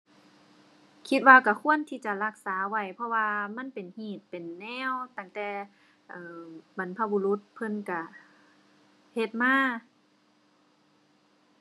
คิดว่าก็ควรที่จะรักษาไว้ เพราะว่ามันเป็นฮีตเป็นแนวตั้งแต่ เอ่อ บรรพบุรุษเพิ่นก็เฮ็ดมา